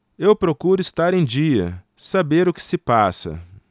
eu procuro estar em dia saber o que se passa